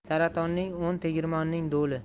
saratonning o'ni tegirmonning do'li